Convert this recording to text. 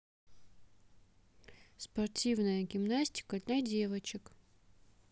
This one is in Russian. спортивная гимнастика для девочек